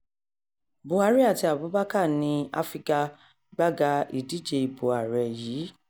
Buhari àti Abubakar ni afigagbága ìdíje ìbò aré yìí.